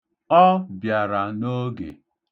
Ọ bịara n'oge.